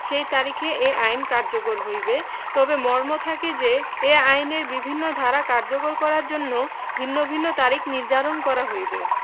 সেই তারিখে এই আইন কার্যকর হইবে তবে মর্থ থাকে যে এই আইনের বিভিন্ন ধারা কার্যকর করার জন্য ভিন্ন ভিন্ন তারিখ নির্ধারণ করা হইবে